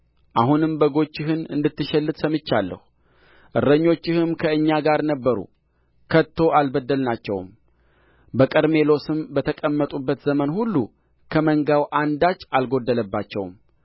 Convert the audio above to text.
አሁንም በጎችህን እንድትሸልት ሰምቻለሁ እረኞችህም ከእኛ ጋር ነበሩ ከቶ አልበደልናቸውም በቀርሜሎስም በተቀመጡበት ዘመን ሁሉ ከመንጋው አንዳች አልጎደለባቸውም